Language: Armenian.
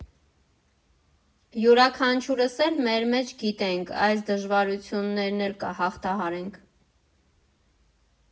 Յուրաքանչյուրս էլ մեր մեջ գիտենք՝ այս դժվարությունն էլ կհաղթահարենք։